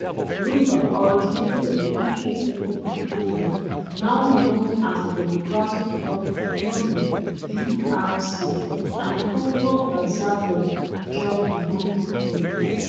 Rhumba originated in the ancient kingdom of Kongo now known as The Democratic Republic of Congo (DRC) and Congo-Brazzaville during the 1940s.